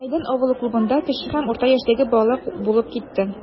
Мәйдан авылы клубында кече һәм урта яшьтәге балалар булып китте.